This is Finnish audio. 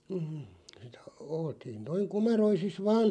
mm sitä oltiin noin komeroisissa vain